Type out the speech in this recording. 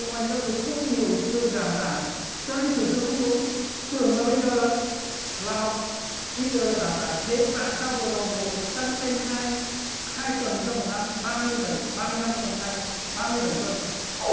ngành giáo dục không hiểu từ giảm tải cho nên xử sự không đúng tưởng là bây giờ là học ít giờ là giảm tải thế tại sao vừa rồi bộ lại tăng thêm hai hai tuần cho một năm ba mươi bảy ba mươi lăm tuần thành ba mươi bảy tuần